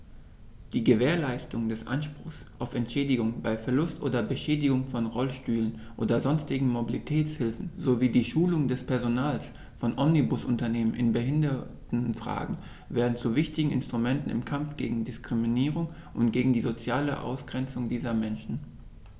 Die Gewährleistung des Anspruchs auf Entschädigung bei Verlust oder Beschädigung von Rollstühlen oder sonstigen Mobilitätshilfen sowie die Schulung des Personals von Omnibusunternehmen in Behindertenfragen werden zu wichtigen Instrumenten im Kampf gegen Diskriminierung und gegen die soziale Ausgrenzung dieser Menschen.